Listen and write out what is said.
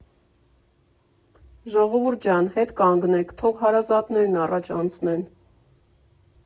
«Ժողովուրդ ջան, հետ կանգնեք, թող հարազատներն առաջ անցնեն»։